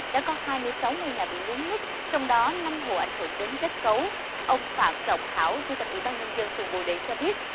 đã có hai mươi sáu ngôi nhà bị lún nứt trong đó năm hộ ảnh hưởng đến kết cấu ông phạm trọng hảo chủ tịch ủy ban nhân dân phường bồ đề cho biết